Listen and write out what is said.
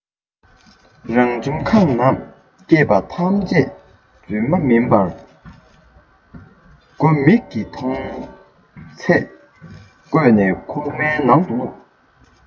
རང བྱུང ཁམས ནང སྐྱེས པ ཐམས ཅད རྫུན མ མིན པར གོ མིག གིས མཐོང ཚད བརྐོས ནས ཁུག མའི ནང དུ བླུགས